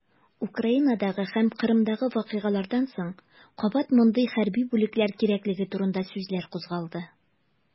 Украинадагы һәм Кырымдагы вакыйгалардан соң кабат мондый хәрби бүлекләр кирәклеге турында сүзләр кузгалды.